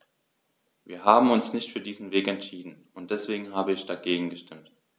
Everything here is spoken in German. Wir haben uns nicht für diesen Weg entschieden, und deswegen habe ich dagegen gestimmt.